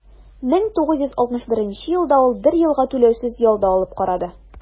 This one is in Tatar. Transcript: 1961 елда ул бер елга түләүсез ял да алып карады.